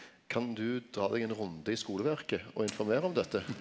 kan du ta deg ein runde i skoleverket og informera om dette?